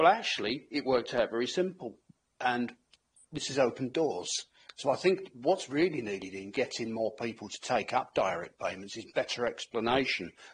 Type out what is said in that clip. Well actually it worked out very simple and this is open doors. So I think what's really needed in getting more people to take up direct payments is better explanation.